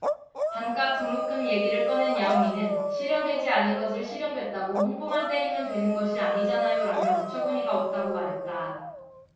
반값등록금 얘기를 꺼낸 냐옹이는 실현되지 않은 것을 실현됐다고 홍보만 때리면 되는 것이 아니잖아요라며 어처구니가 없다고 말했다